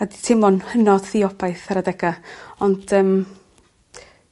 a 'di teimlo'n hynod ddiobaith ar adega ond yym